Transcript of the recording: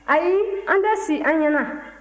ayi an tɛ si an ɲɛ na